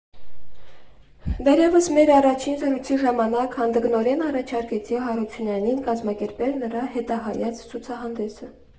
Դեռևս մեր առաջին զրույցի ժամանակ հանդգնորեն առաջարկեցի Հարությունյանին կազմակերպել նրա հետահայաց ցուցահանդեսը։